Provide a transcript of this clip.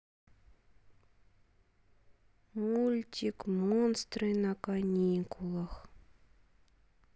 мультик монстры на каникулах